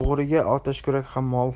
o'g'riga otashkurak ham mol